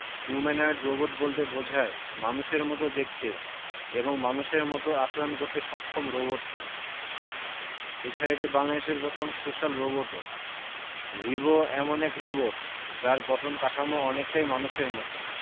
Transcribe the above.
humanoid robot বলতে বোঝায় মানুষের মতো দেখতে এবং মানুষের মতো আচরণ করতে সক্ষম রোবটকে এছাড়া এটি বাংলাদেশের প্রথম সোশ্যাল রোবটও রিবো এমন এক রোবট যার গঠন কাঠামো অনেকটাই মানুষের মতো